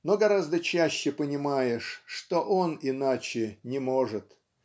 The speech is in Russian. но гораздо чаще понимаешь что он иначе не может.